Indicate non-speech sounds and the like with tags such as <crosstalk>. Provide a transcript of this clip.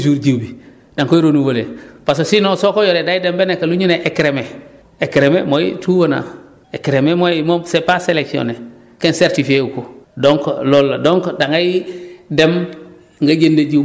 parce que toujours même cinquante cinq quatre cent trente sept mun nga renouveller toujours jiw bi da nga koy renouveller <breath> parce que sinon soo ko yoree day dem ba nekk lu ñu ne écrémé :fraécrémé mooy tout venant écrémé mooy moom c' est pas sélectinner kenn certifié wu ko donc loolu la